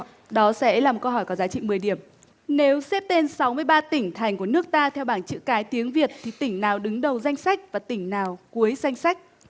đó sẽ là một câu hỏi có giá trị mười điểm nếu xếp tên sáu mươi ba tỉnh thành của nước ta theo bảng chữ cái tiếng việt thì tỉnh nào đứng đầu danh sách và tỉnh nào cuối danh sách